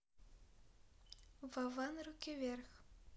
vovan руки вверх